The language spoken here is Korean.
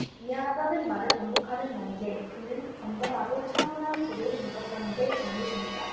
미안하다는 말을 반복하는 나에게 그는 덤덤하고 차분한 들을 믿었던 게 잘못입니다